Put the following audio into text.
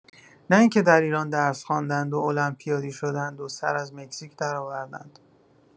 نه این که در ایران درس خواندند و المپیادی شدند و سر از مکزیک درآوردند.